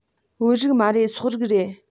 བོད རིགས མ རེད སོག རིགས རེད